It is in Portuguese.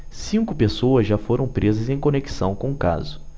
cinco pessoas já foram presas em conexão com o caso